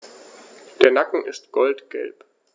Der Nacken ist goldgelb.